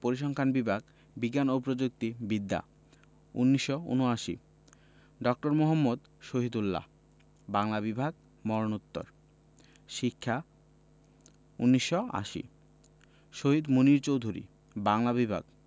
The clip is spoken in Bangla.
পরিসংখ্যান বিভাগ বিজ্ঞান ও প্রযুক্তি বিদ্যা ১৯৭৯ ড. মুহম্মদ শহীদুল্লাহ বাংলা বিভাগ মরণোত্তর শিক্ষা ১৯৮০ শহীদ মুনীর চৌধুরী বাংলা বিভাগ